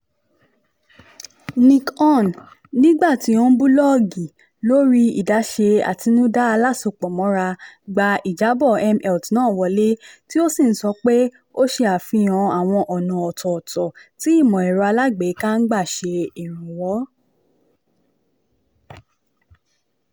Nick Hunn, nígbà tí ó ń búlọ́ọ́gì lórí Ìdáse Àtinúdá Alásopọ̀mọ́ra, gba ìjábọ̀ mHealth náà wọlé, tí ó sì ń sọpe ó ṣe àfihàn àwọn ọ̀nà ọ̀tọ̀ọ̀tọ̀ tí ìmọ̀ ẹ̀rọ alágbèéká ń gbà ṣe ìrànwọ̀.